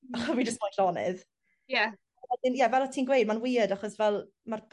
A fi jyst moyn llonydd. Ie. <aneglur ie fel o' ti'n gweud ma'n weird achos fel ma'r